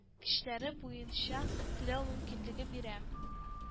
Кечләре буенча түләү мөмкинлеге бирә